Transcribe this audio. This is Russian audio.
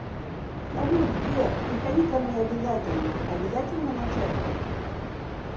салют сбер приходи ко мне обязательно обязательно начать